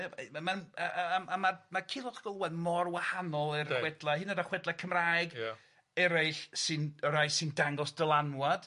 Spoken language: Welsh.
A mae o yy ma'n ma'n a a a ma'r ma' Culhwch ag Olwen mor wahanol i'r chwedlau hyd yn oed y chwedle Cymraeg... Ia. eraill sy'n y rai sy'n dangos dylanwad...